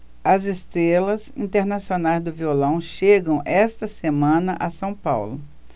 as estrelas internacionais do violão chegam esta semana a são paulo